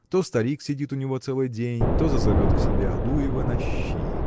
То старик сидит у него целый день, то зазовет к себе Адуева на щи.